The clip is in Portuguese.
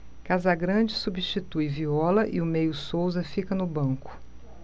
casagrande substitui viola e o meia souza fica no banco